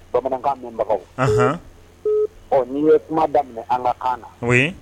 Bamanankan mɛnbagaw, anhan, ɔ n'i ye kuma daminɛ an ka kan na, oui